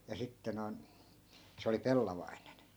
ja sitten noin se oli pellavainen